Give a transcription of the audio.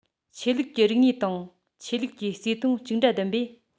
ཆོས ལུགས ཀྱི རིག གནས དང ཆོས ལུགས ཀྱི བརྩེ དུང གཅིག འདྲ ལྡན པས